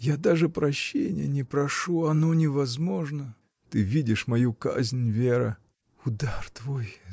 — Я даже прощения не прошу: оно невозможно! Ты видишь мою казнь, Вера. — Удар твой.